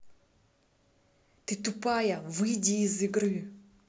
ты тупая выйди из игры